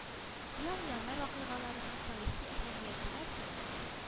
Ел январь вакыйгаларының тарихи әһәмияте нәрсәдә